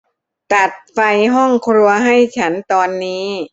ตัดไฟห้องครัวให้ฉันตอนนี้